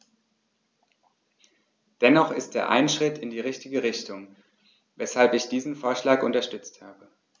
Dennoch ist er ein Schritt in die richtige Richtung, weshalb ich diesen Vorschlag unterstützt habe.